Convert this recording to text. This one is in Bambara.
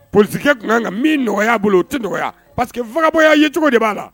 Police kɛ tun kan ka min nɔgɔya bolo o tɛ nɔgɔya parce que vagabond ya ye cogo de b'a la.